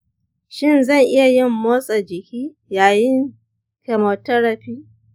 shin zan iya yin motsa jiki yayin chemotherapy?